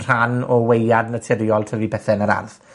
rhan o waead naturiol tyfu pethe yn yr ardd.